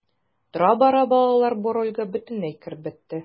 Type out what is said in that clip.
Тора-бара балалар бу рольгә бөтенләй кереп бетте.